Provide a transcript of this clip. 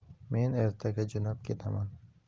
men ertaga jo'nab ketaman